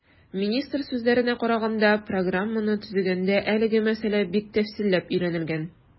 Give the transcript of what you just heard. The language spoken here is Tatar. Министр сүзләренә караганда, программаны төзегәндә әлеге мәсьәлә бик тәфсилләп өйрәнелгән.